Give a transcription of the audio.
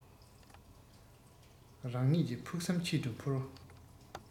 རང ཉིད ཀྱི ཕུགས བསམ ཆེད དུ འཕུར